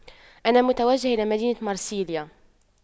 أنا متوجه إلى مدينة مرسيليا